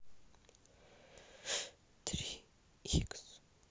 три икс